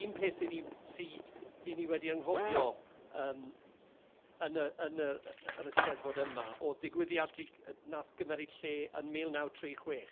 Un peth 'y ni sy 'y ni wedi anghofio yn yr Eisteddfod yma oedd digwyddiad wnaeth gymryd lle yn mil naw tri chwech.